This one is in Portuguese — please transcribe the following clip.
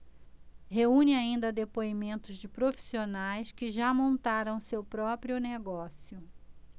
reúne ainda depoimentos de profissionais que já montaram seu próprio negócio